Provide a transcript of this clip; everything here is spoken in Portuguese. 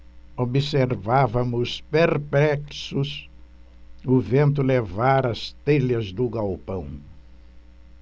observávamos perplexos o vento levar as telhas do galpão